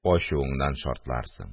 Ачуыңнан шартларсың